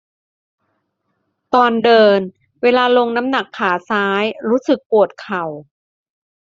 ตอนเดินเวลาลงน้ำหนักขาซ้ายรู้สึกปวดเข่า